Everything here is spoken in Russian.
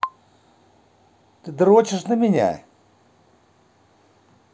ты дрочишь меня